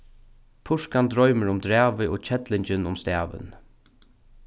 purkan droymir um dravið og kellingin um stavin